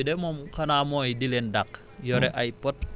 waaw beneen méthode bi de moom xanaa mooy di leen dàq